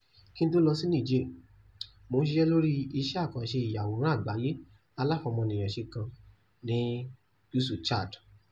Kí n tó lọ sí Niger, mò ń ṣiṣẹ́ lórí iṣẹ́ àkànṣe ìyàwòrán àgbáyé aláfọmọnìyànṣe kan ní Gúúsù Chad.